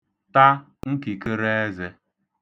ta nkìkə̣rẹẹzẹ̄